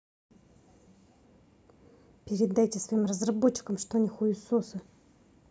передайте своим разработчикам что они хуесосы